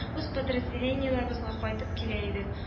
Үз подразделениелабызга кайтып килә идек